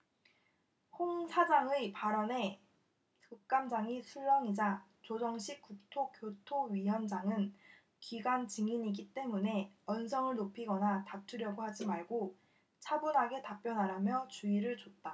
홍 사장의 발언에 국감장이 술렁이자 조정식 국토교토위원장은 기관 증인이기 때문에 언성을 높이거나 다투려고 하지 말고 차분하게 답변하라며 주의를 줬다